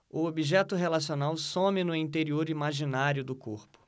o objeto relacional some no interior imaginário do corpo